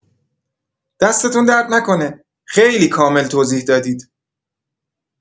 دستتون درد نکنه، خیلی کامل توضیح دادید.